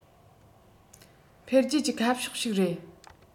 འཕེལ རྒྱས ཀྱི ཁ ཕྱོགས ཤིག རེད